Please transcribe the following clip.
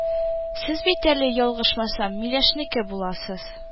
Сез бит әле, ял-гышмасам, Миләүшәнеке буласыз